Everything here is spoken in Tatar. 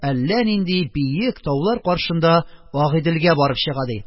Әллә нинди биек таулар каршында, агыйделгә барып чыга, ди..